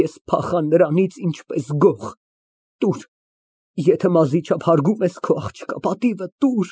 Ես փախա նրանից, ինչպես գող։ Տուր, եթե մազի չափ հարգում ես քո աղջկա պատիվը։